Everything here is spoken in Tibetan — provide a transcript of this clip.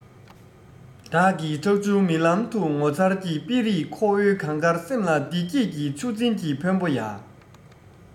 བདག གི ཁྲ ཆུང མིག ལམ དུ ངོ མཚར གྱི དཔེ རིས ཁོ བོའི གངས དཀར སེམས ལ བདེ སྐྱིད ཀྱི ཆུ འཛིན གྱི ཕོན པོ ཡ